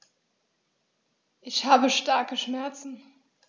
Ich habe starke Schmerzen.